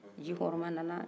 ji hɔrɔnman nana